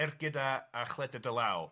Ergyd a a chleder dy law.